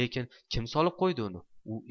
lekin kim solib qo'ydi uni